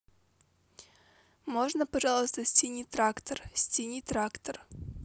можно пожалуйста синий трактор синий трактор